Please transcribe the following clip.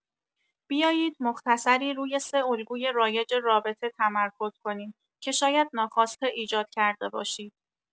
بیایید مختصری روی سه الگوی رایج رابطه تمرکز کنیم که شاید ناخواسته ایجاد کرده باشید.